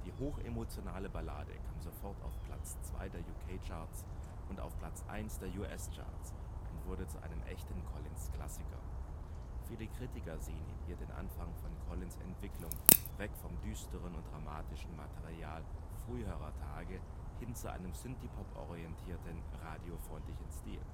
hochemotionale Ballade kam sofort auf Platz 2 der UK-Charts und auf Platz 1 der US-Charts und wurde zu einem echten Collins-Klassiker. Viele Kritiker sehen in ihr den Anfang von Collins ' Entwicklung weg vom düsteren und dramatischen Material früherer Tage hin zu einem Synthie-Pop-orientierten, Radio-freundlichen Stil